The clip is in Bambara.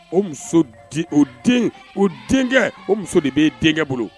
O muso de , o den , o denkɛ, o muso de bɛ e den kɛ bolo!